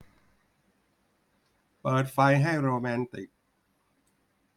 เปิดไฟให้โรแมนติก